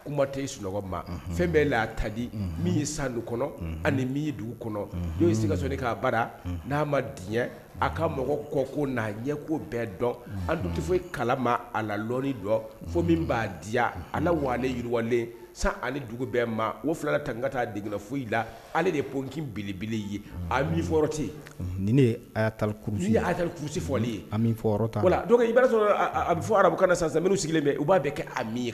San kɔnɔ anikaa n'a ma di a ka mɔgɔ kɔko n'a ɲɛ ko bɛɛ dɔn an tun tɛ fɔ kala maa a lalɔɔni dɔn fo min b'a diya a na wa yiriwalen san ali dugu bɛɛ maa o fila tan n ka taa a degela foyi la ale de ye kin belebele ye a min fɔ ten nin a tari kurusi kurusi fɔ ale ye a i'a sɔrɔ a bɛ fɔ arabukan na san sigilen u b'a bɛ kɛ a min